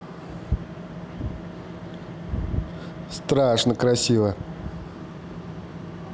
страшно красиво